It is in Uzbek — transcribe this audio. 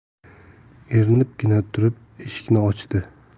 erinibgina turib eshikni ochdi